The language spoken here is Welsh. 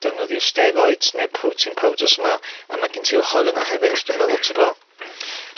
Defnyddio steroids ne' protein powders 'ma, a ma' gen ti'r ochor yna hefyd dwi meddwl t'bod? Hmm.